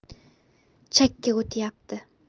chakka o'tyapti